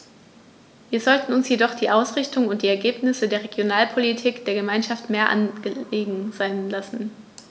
Wir sollten uns jedoch die Ausrichtung und die Ergebnisse der Regionalpolitik der Gemeinschaft mehr angelegen sein lassen.